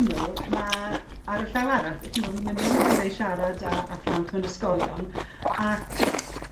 syml ma' ar y llaw arall be' ch'mo' wi'n myn' mewn withe i siarad â â phlant mewn ysgolion ac